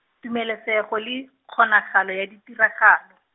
tumelesego le, kgonagalo ya ditiraga- .